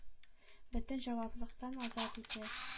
Бөтен җаваплылыктан азат итә.